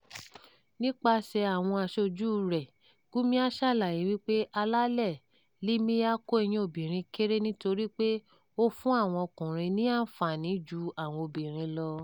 Nípasẹ̀ àwọn aṣojú rẹ̀, Gyumi ṣàlàyé wípé àlàálẹ̀ LMA kọ iyán obìnrin kéré nítorí pé ó fún àwọn ọkùnrin ní àǹfààní ju àwọn obìnrin lọ.